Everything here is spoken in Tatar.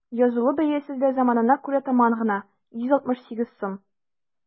Язылу бәясе дә заманына күрә таман гына: 168 сум.